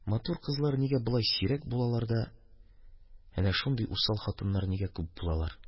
Матур кызлар нигә болай сирәк булалар да, әнә шундый усал хатыннар нигә күп булалар?